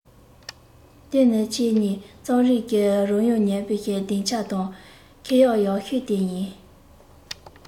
དེ ནི ཁྱོད ཉིད རྩོམ རིག གི རོལ དབྱངས ཉན པའི གདེང ཆ དང ཁོ ལག ཡག ཤོས དེ ཡིན